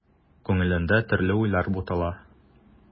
Күңелендә төрле уйлар бутала.